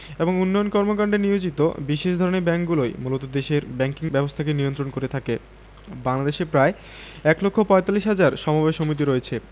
এবং উন্নয়ন কর্মকান্ডে নিয়োজিত বিশেষ ধরনের ব্যাংকগুলোই মূলত দেশের ব্যাংকিং ব্যবস্থাকে নিয়ন্ত্রণ করে থাকে বাংলাদেশে প্রায় এক লক্ষ পয়তাল্লিশ হাজার সমবায় সমিতি রয়েছে